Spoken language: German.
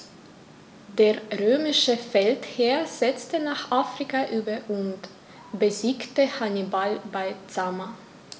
Der römische Feldherr setzte nach Afrika über und besiegte Hannibal bei Zama.